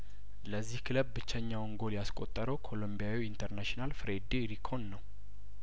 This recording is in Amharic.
ለዚህ ክለብ ብቸኛውን ጐል ያስቆጠረው ኮሎምቢያዊው ኢንተርናሽናል ፍሬዲሪንኮን ነው